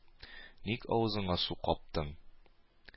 Ник авызыңа су каптың?